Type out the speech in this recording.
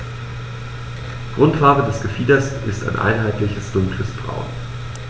Grundfarbe des Gefieders ist ein einheitliches dunkles Braun.